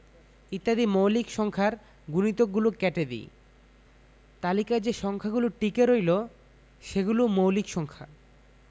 ইত্যাদি মৌলিক সংখ্যার গুণিতকগুলো কেটে দিই তালিকায় যে সংখ্যাগুলো টিকে রইল সেগুলো মৌলিক সংখ্যা